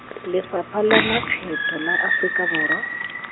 Lefapha la Makgetho la Aforika Borwa.